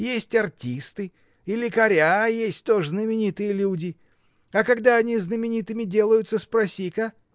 Есть артисты, и лекаря есть тоже знаменитые люди: а когда они знаменитыми делаются, спроси-ка?